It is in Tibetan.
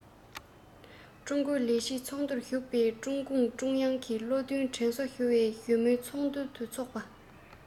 ཀྲང ཀའོ ལི བཅས ཚོགས འདུར ཞུགས པ དང ཀྲུང གུང ཀྲུང དབྱང གིས བློ མཐུན དྲན གསོ ཞུ བའི བཞུགས མོལ ཚོགས འདུ འཚོགས པ